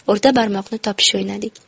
o'rta barmoqni topish o'ynadik